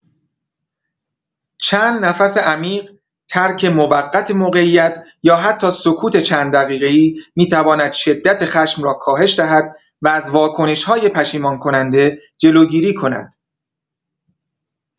چند نفس عمیق، ترک موقت موقعیت یا حتی سکوت چند دقیقه‌ای می‌تواند شدت خشم را کاهش دهد و از واکنش‌های پشیمان‌کننده جلوگیری کند.